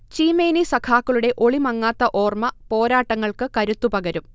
ചീമേനി സഖാക്കളുടെ ഒളിമങ്ങാത്ത ഓർമ പോരാട്ടങ്ങൾക്ക് കരുത്തുപകരും